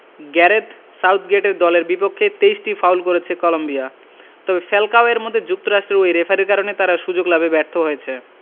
Gareth সাউথগেটের দলের বিপক্ষে ২৩টি ফাউল করেছে কলম্বিয়া তবে ফ্যালকাওয়ের মতে যুক্তরাষ্ট্রের ওই রেফারির কারণে তারা সুযোগ লাভে ব্যর্থ হয়েছে